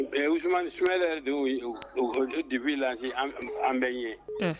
Usumani Sumayila yɛrɛ de ye o défi lancé an bɛɛ ɲɛ, un